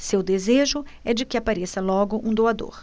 seu desejo é de que apareça logo um doador